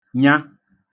nya